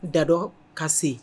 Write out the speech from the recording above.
Da dɔ ka se